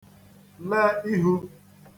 le ihu